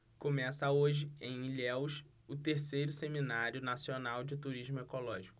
começa hoje em ilhéus o terceiro seminário nacional de turismo ecológico